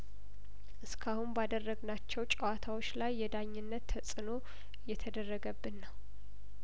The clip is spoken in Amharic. እስካሁን ባደረግ ናቸው ጨዋታዎች ላይ የዳኝነት ተጽእኖ እየተደረገብን ነው